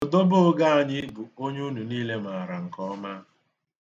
Odebooge anyị bụ onye unu niile mara nke ọma.